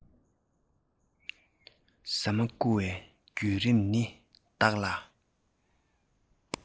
ཟ མ བརྐུ བའི བརྒྱུད རིམ ནི བདག ལ